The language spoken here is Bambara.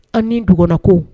An ni dunako